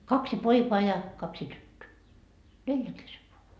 kaksi poikaa ja kaksi tyttöä neljän kesken vain